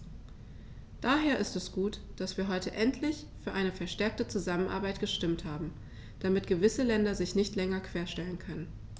Daher ist es gut, dass wir heute endlich für eine verstärkte Zusammenarbeit gestimmt haben, damit gewisse Länder sich nicht länger querstellen können.